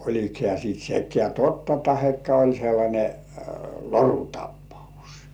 oliko hän sitten sekään totta tai oli sellainen lorutapaus